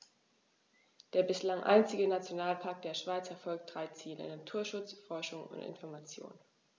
Der bislang einzige Nationalpark der Schweiz verfolgt drei Ziele: Naturschutz, Forschung und Information.